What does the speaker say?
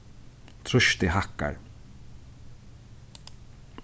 trýstið hækkar